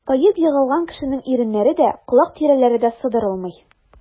Таеп егылган кешенең иреннәре дә, колак тирәләре дә сыдырылмый.